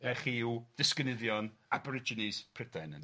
na chi yw disgynyddion Aborigines Prydain ynde.